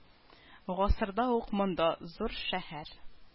Гасырда ук монда зур шәһәр